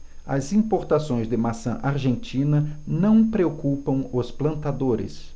as importações de maçã argentina não preocupam os plantadores